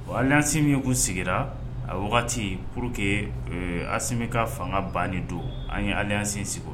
Bon alisin min ye k' sigira a wagati pur que alisimi ka fanga ban don an alisin segu